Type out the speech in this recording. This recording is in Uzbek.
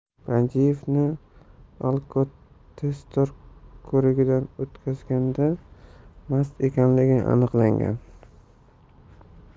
panjiyevni alkotestor ko'rigidan o'tkazilganda mast ekanligi aniqlangan